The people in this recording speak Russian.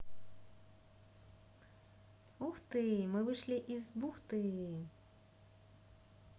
ух ты мы вышли из бухты